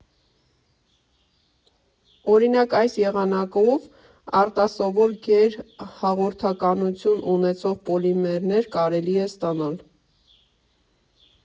Օրինակ, այս եղանակով արտասովոր գերհաղորդականություն ունեցող պոլիմերներ կարելի է ստանալ։